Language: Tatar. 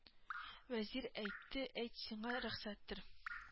Вәзир әйтте әйт сиңа рөхсәттер